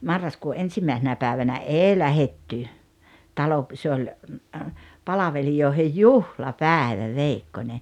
marraskuun ensimmäisenä päivänä ei lähdetty talo se oli palvelijoiden juhlapäivä veikkonen